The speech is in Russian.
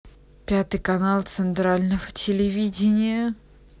пятый канал центрального телевидения